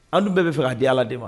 An dun bɛɛ bɛ fɛ ka di Ala de ma